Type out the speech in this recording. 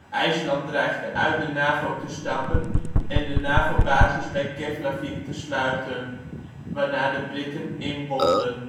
IJsland dreigde uit de NAVO te stappen en de NAVO-basis bij Keflavik te sluiten, waarna de Britten inbonden